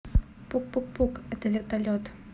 пук пук пук это вертолет